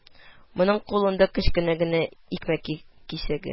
Моның кулында кечкенә генә икмәк кисәге